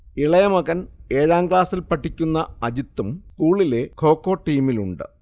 ഇളയമകൻ ഏഴാം ക്ലാസിൽ പഠിക്കുന്ന അജിത്തും സ്കൂളിലെ ഖോഖൊ ടീമിലുണ്ട്